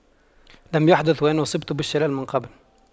لم يحدث وأن أصبت بالشلل من قبل